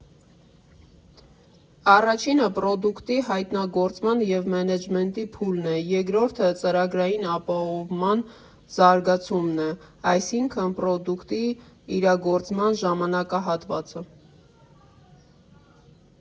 Առաջինը պրոդուկտի հայտնագործման և մենեջմենթի փուլն է, երկրորդը ծրագրային ապահովման զարգացումն է, այսինքն՝ պրոդուկտի իրագործման ժամանակահատվածը։